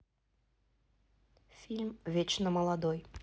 фильм вечно молодой